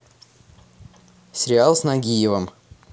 сериал с нагиевым